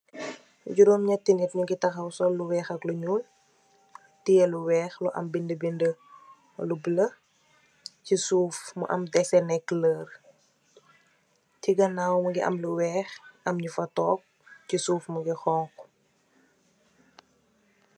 Juromengati nit njougi taxaw sol lou wax ak lou njoul teya luwex mou am binde binde you boula ci soufe mugi am aye coulare ci ganawe ganawe mungi am Lou wex am njufa took